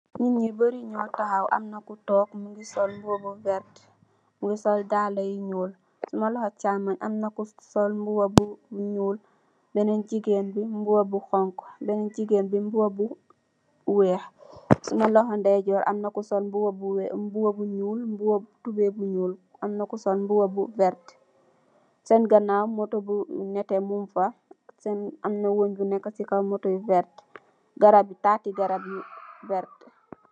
Nit nyu barri nyu takhaw amna ko tok mungi sol mboba bu verte, ak mungi sol dalla yu ñuul. Suma luxo chammoy amna ku sol mboba bu ñuul, benen jigeen bi mungi sol mboba bu xonxo, benen jigeen bi mboba bu weex. Suma loxo ndey joor amna ku sol mboba bu nuul, amna ku sol mboba bu werta. Seen ganaw mboba bu nete mungfa am wuñ nu neka ci kaw motto ak tatti garap.